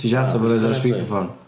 Ti isio ateb o a roid o ar speakerphone?